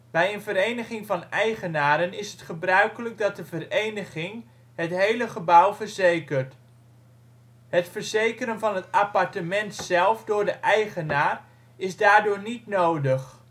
Bij een Vereniging van Eigenaren is het gebruikelijk dat de vereniging het hele gebouw verzekert. Het verzekeren van het appartement zelf door de eigenaar is daardoor niet nodig